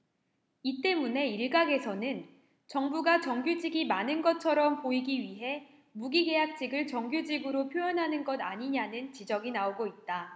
이 때문에 일각에서는 정부가 정규직이 많은 것처럼 보이기 위해 무기계약직을 정규직으로 표현하는 것 아니냐는 지적이 나오고 있다